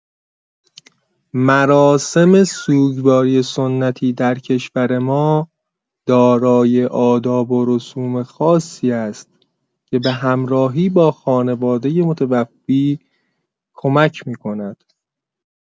مراسم سوگواری سنتی در کشور ما دارای آداب و رسوم خاصی است که به همراهی با خانواده متوفی کمک می‌کند.